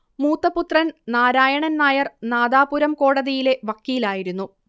മൂത്ത പുത്രൻ നാരായണൻ നായർ നാദാപുരം കോടതിയിലെ വക്കീലായിരുന്നു